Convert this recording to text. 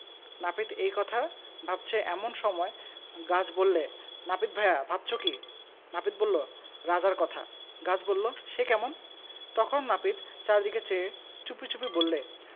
নাপিত এই কথা ভাবছে এমন সময় গাছ বললে নাপিত ভায়া ভাবছ কী নাপিত বলল রাজার কথা গাছ বলল সে কেমন তখন নাপিত চারিদিকে চেয়ে চুপিচুপি বললে